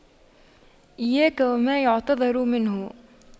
إياك وما يعتذر منه